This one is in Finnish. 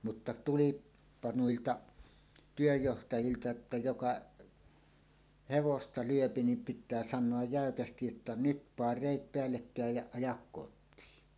mutta tulipa niiltä työnjohtajilta että joka hevosta lyö niin pitää sanoa jäykästi jotta nyt - pane reet päällekkäin ja aja kotiin